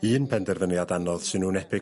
Un penderfyniad anodd sy'n wynebu...